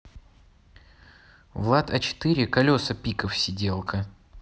влад а четыре колеса пиков сиделка